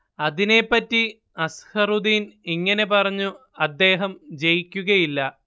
അതിനെപ്പറ്റി അസ്ഹറുദ്ദീൻ ഇങ്ങനെ പറഞ്ഞു അദ്ദേഹം ജയിക്കുകയില്ല